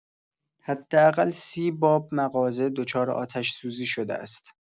حداقل ۳۰ باب مغازه دچار آتش‌سوزی شده است.